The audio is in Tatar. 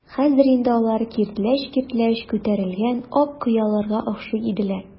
Хәзер инде алар киртләч-киртләч күтәрелгән ак кыяларга охшый иделәр.